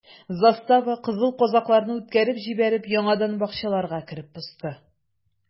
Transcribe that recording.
Застава, кызыл казакларны үткәреп җибәреп, яңадан бакчаларга кереп посты.